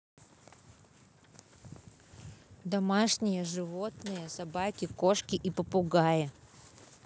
домашние животные собаки кошки и попугаи